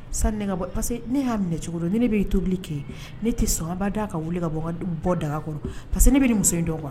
Sani ne ka parce ne y'a minɛ cogo la ne bɛ' tobili kɛ ne tɛ sɔnba da ka wuli ka bɔ ka bɔ daga kɔrɔ parce ne bɛ muso in dɔn kɔnɔ